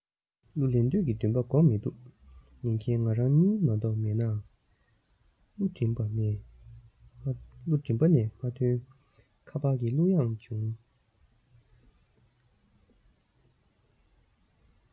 གླུ ལེན འདོད ཀྱི འདུན པ འགོག མི འདུག ཉན མཁན ང རང ཉིད མ གཏོགས མེད ནའང གླུ མགྲིན པ ནས མ ཐོན ཁ པར གྱིས གླུ བླངས བྱུང དགའ བྱུང དགའ བྱུང ལ